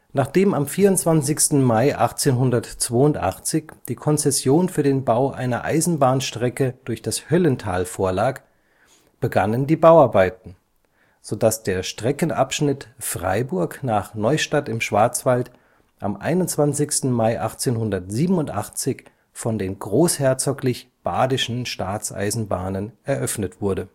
Nachdem am 24. Mai 1882 die Konzession für den Bau einer Eisenbahnstrecke durch das Höllental vorlag, begannen die Bauarbeiten, sodass der Streckenabschnitt Freiburg – Neustadt (Schwarzwald) am 21. Mai 1887 von den Großherzoglich Badischen Staatseisenbahnen eröffnet wurde